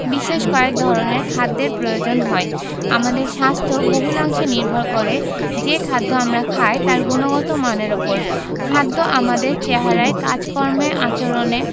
বিশেষ কয়েক ধরনের খাদ্যের প্রয়োজন হয় আমাদের স্বাস্থ্য বহুলাংশে নির্ভর করে যে খাদ্য আমরা খাই তার গুণগত মানের ওপর খাদ্য আমাদের চেহারায় কাজকর্মে আচরণে